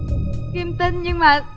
kim tin nhưng mà